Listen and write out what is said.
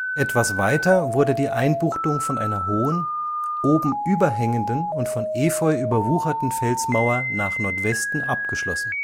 Etwas weiter wurde die Einbuchtung von einer hohen, oben überhängenden und von Efeu überwucherten Felsmauer nach Nordwesten abgeschlossen